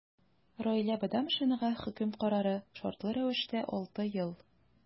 Раилә Бадамшинага хөкем карары – шартлы рәвештә 6 ел.